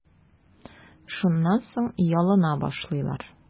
Шуннан соң ялына башлыйлар.